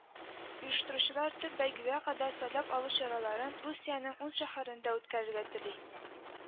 Оештыручылар төп бәйгегә кадәр сайлап алу чараларын Русиянең ун шәһәрендә үткәрергә тели